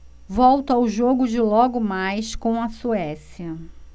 volto ao jogo de logo mais com a suécia